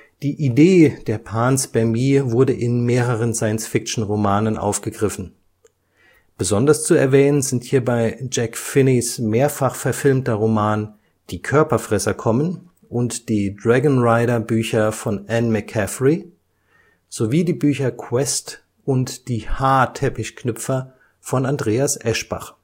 Die Idee der Panspermie wurde in mehreren Science-Fiction-Romanen aufgegriffen, besonders zu erwähnen sind hierbei Jack Finneys mehrfach verfilmter Roman Die Körperfresser kommen und die Dragonrider-Bücher von Anne McCaffrey sowie die Bücher Quest und Die Haarteppichknüpfer von Andreas Eschbach